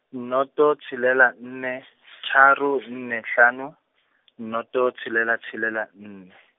noto tshelela nne , tharo nne hlano, noto tshelela tshelela nne.